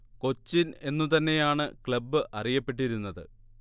കൊച്ചിൻ എന്നു തന്നെയാണ് ക്ലബ് അറിയപ്പെട്ടിരുന്നത്